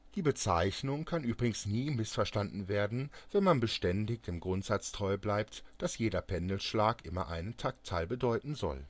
Die Bezeichnung kann übrigens nie missverstanden werden, wenn man beständig dem Grundsatze treu bleibt, dass jeder Pendelschlag immer einen Takttheil bedeuten soll